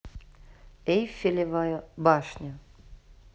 эйфелевая башня